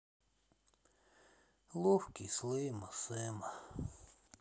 ловкий слайма сэма